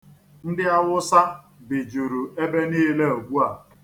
Ndị Awụsa bijuru ebe niile ugbua.